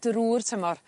drw'r tymor